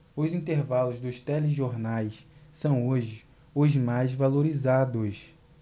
os intervalos dos telejornais são hoje os mais valorizados